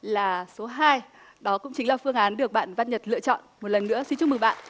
là số hai đó cũng chính là phương án được bạn văn nhật lựa chọn một lần nữa xin chúc mừng bạn